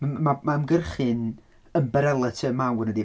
M- m- ma- mae ymgyrchu'n ymbarela term mawr yndi?